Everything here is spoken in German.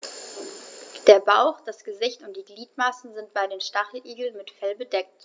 Der Bauch, das Gesicht und die Gliedmaßen sind bei den Stacheligeln mit Fell bedeckt.